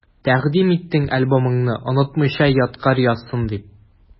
Тәкъдим иттең альбомыңны, онытмыйча ядкарь язсын дип.